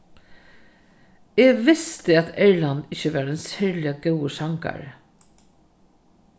eg visti at erland ikki var ein serliga góður sangari